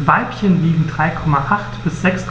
Weibchen wiegen 3,8 bis 6,7